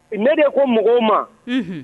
Ne de ye ko mɔgɔw ma